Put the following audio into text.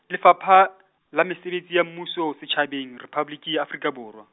Lefapha, la Mesebetsi ya Mmuso Setjhabeng, Rephaboliki ya Afrika Borwa.